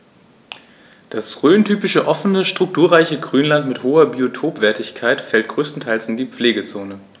Das rhöntypische offene, strukturreiche Grünland mit hoher Biotopwertigkeit fällt größtenteils in die Pflegezone.